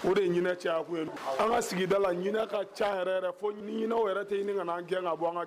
O de ye ɲinɛ caya kun ye an ŋa sigida la ɲinɛ ka can yɛrɛ yɛrɛ fo ɲinɛw yɛrɛ te ɲinin kan'an gɛn ka bɔ an ŋa